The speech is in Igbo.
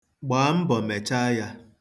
Gbaa mbọ mechaa ya.